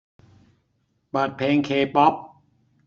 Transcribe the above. เปิดเพลงเคป๊อป